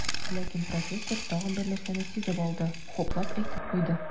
Ләкин профессор тагын бер нәрсәне сизеп алды, хуплап әйтеп куйды.